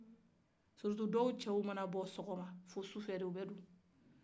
barisa dɔw cɛ mana bɔ sɔgɔma fɔ sufɛ de u bɛ don